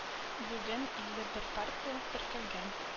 Бүген илле бер партия теркәлгән